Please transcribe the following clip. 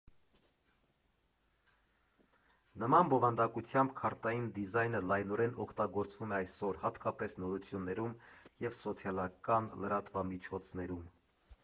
Նման բովանդակությամբ քարտային դիզայնը լայնորեն օգտագործվում է այսօր, հատկապես նորություններում և սոցիալական լրատվամիջոցներում։